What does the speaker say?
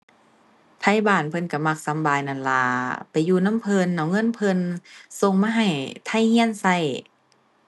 ไทบ้านเพิ่นก็มักสำบายนั่นล่ะ ไปอยู่นำเพิ่นเอาเงินเพิ่น ส่งมาให้ไทก็ก็